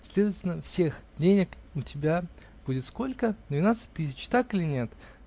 следовательно, всех денег у тебя будет сколько? Двенадцать тысяч. так или нет?